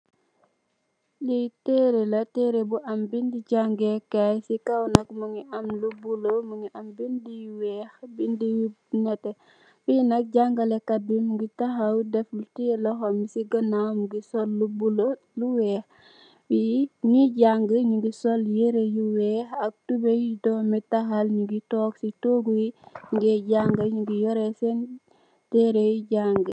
Tereh la tereh bu am bindi jangeh si kaw nak mungi am lo bulu mungi am lu weex ak bindu yo neteh fi nak jangaleh kat bi mungi tahaw tek si teyeh loho bi si ganaw sol lo bulu ak lu weex fi nyu jangi nyu go sol yerh bu weex ak tobeh do mit tahal nyu gi tok si togo ye nyi yoreh di tereh jangi.